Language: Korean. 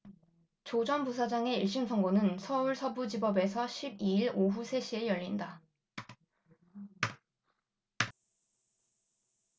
조 전 부사장의 일 심 선고는 서울서부지법에서 십 이 일 오후 세 시에 열린다